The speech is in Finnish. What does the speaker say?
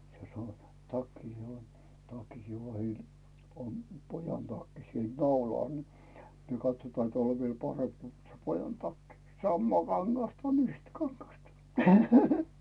se - takki - takkikin vahdilla on pojan takki siellä naulalla niin niin katsotaan täällä on vielä parempi kun se pojan takki samaa kangasta on yhtä kangasta